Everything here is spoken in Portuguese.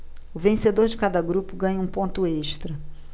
o vencedor de cada grupo ganha um ponto extra